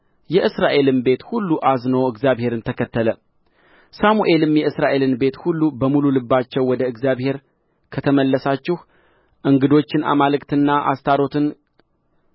የእስራኤልም ቤት ሁሉ አዝኖ እግዚአብሔርን ተከተለ ሳሙኤልም የእስራኤልን ቤት ሁሉ በሙሉ ልባችሁ ወደ እግዚአብሔር ከተመለሳችሁ እንግዶችን አማልክትና አስታሮትን